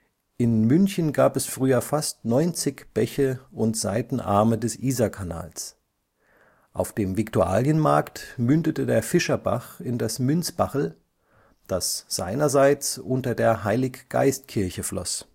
In München gab es früher fast 90 Bäche und Seitenarme des Isarkanals. Auf dem Viktualienmarkt mündete der Fischerbach in das Münzbachl, das seinerseits unter der Heiliggeistkirche floss